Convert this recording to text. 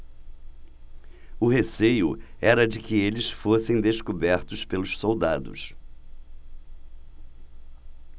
o receio era de que eles fossem descobertos pelos soldados